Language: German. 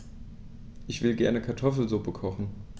Ich will gerne Kartoffelsuppe kochen.